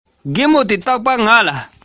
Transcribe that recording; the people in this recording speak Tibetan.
སྒྲོག བཞིན རྒད པོ སྨ ར ཅན གྱི རྗེས སུ དེད